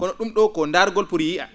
hono ?um ?o ko ndaargol pour yiya